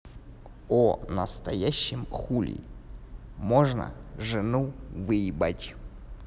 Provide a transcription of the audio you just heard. о настоящем хуле можно жену выебать